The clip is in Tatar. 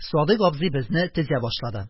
Садыйк абзый безне тезә башлады.